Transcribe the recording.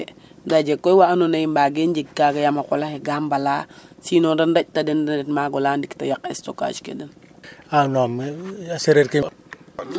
Ga njeg wa andoona yee mbagee njeg kaga yaam xa qol axe ga mbala si non de ɗaƴta den de ndet maag ola ndik ta yaq stockage ke den